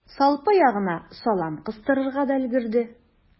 Салпы ягына салам кыстырырга да өлгерде.